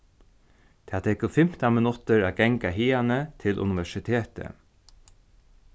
tað tekur fimtan minuttir at ganga hiðani til universitetið